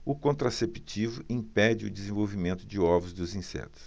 o contraceptivo impede o desenvolvimento de ovos dos insetos